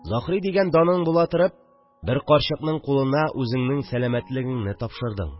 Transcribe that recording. Заһри дигән даның була торып, бер карчыкның кулына үзеңнең сәләмәтлегеңне тапшырдың